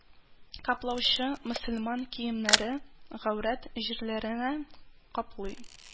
Каплаучы мөселман киемнәре гаурәт җирләренә каплый